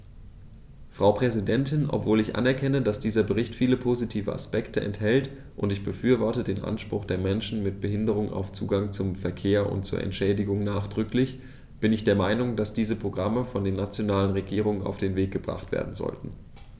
Frau Präsidentin, obwohl ich anerkenne, dass dieser Bericht viele positive Aspekte enthält - und ich befürworte den Anspruch der Menschen mit Behinderung auf Zugang zum Verkehr und zu Entschädigung nachdrücklich -, bin ich der Meinung, dass diese Programme von den nationalen Regierungen auf den Weg gebracht werden sollten.